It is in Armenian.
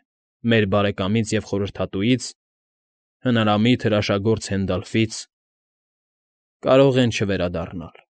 Է, մեր բարեկամից և խորհրդատուից՝ հնարամիտ հրաշագործ Հենդալֆից, կարող են չվերադառնալ։